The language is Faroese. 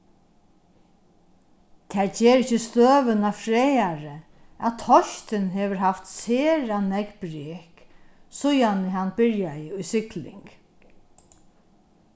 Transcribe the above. tað ger ikki støðuna frægari at teistin hevur haft sera nógv brek síðani hann byrjaði í sigling